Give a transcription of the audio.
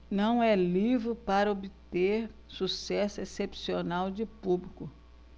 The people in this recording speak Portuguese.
não é livro para obter sucesso excepcional de público